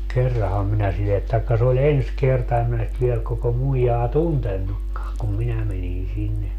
kerranhan minä sille tai se oli ensi kerta en minä nyt vielä koko muijaa tuntenutkaan kun minä menin sinne